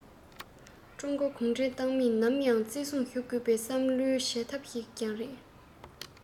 ཀྲུང གོའི གུང ཁྲན ཏང མིས ནམ ཡང བརྩི སྲུང ཞུ དགོས པའི བསམ བློའི བྱེད ཐབས ཤིག ཀྱང རེད